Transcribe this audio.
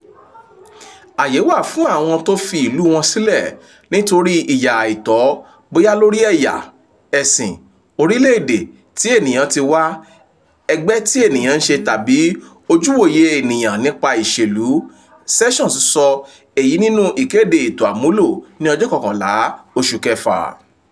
“Àyè wà fún àwọn tó fi ìlú wọn sílẹ̀ nítorí ìyà àìtọ́ bóyá lórí ẹ̀yà, ẹ̀sìn, orílẹ̀èdè tí ènìyàn ti wá, ẹgbẹ́ tí ènìyàn ń ṣe tàbí ojúùwoye ènìyàn nípa ìṣèlú” Sessions sọ èyí nínú ìkéde ètò àmúlò ní ọjọ́ kọọkànlá, oṣù kẹfà.